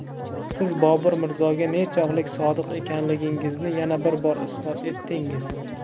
siz bobur mirzoga nechog'lik sodiq ekanligingizni yana bir bor isbot etdingiz